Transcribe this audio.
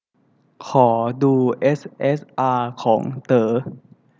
ขอดูเอสเอสอาของเต๋อ